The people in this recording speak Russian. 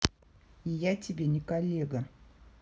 я тебе не коллега